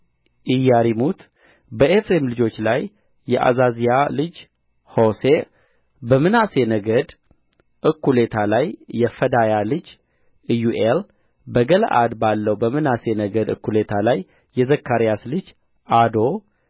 ኢያሪሙት በኤፍሬም ልጆች ላይ የዓዛዝያ ልጅ ሆሴዕ በምናሴ ነገድ እኵሌታ ላይ የፈዳያ ልጅ ኢዩኤል በገለዓድ ባለው በምናሴ ነገድ እኵሌታ ላይ የዘካርያስ ልጅ አዶ